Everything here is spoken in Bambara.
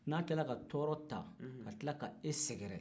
n'a tilla la ka tɔɔrɔ ta ka tila ka e sɛgɛrɛ